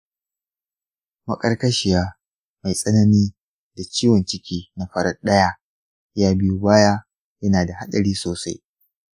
maƙarƙashiya mai tsanani da ciwon ciki na farat ɗaya ya biyo baya yana da haɗari sosai.